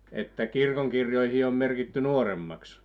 että kirkonkirjoihin on merkitty nuoremmaksi